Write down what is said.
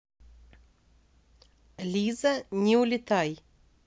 лиза не улетай